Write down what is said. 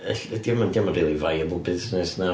Ella... 'Di 'di o'm yn really viable business na.